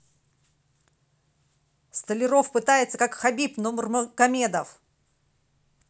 столяров пытается как хабиб нурмагомедов